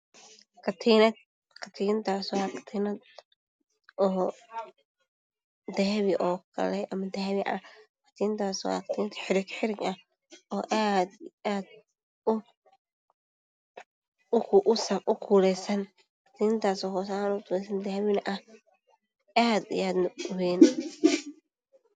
Katiinad, katiinadaasoo oo dahabi oo dahabi oo kale ama dahabi oo dahabi dahabi ah oo aad iyo aad u kuleysankatiinadaas oo hoos ayaan dahabina ah aadna u weyn.